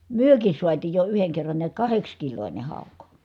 mekin saatiin jo yhden kerran näet kahdeksankiloinen hauki